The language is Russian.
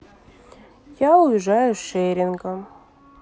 я уезжаю шерингом